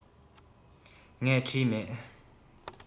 ངས བྲིས མེད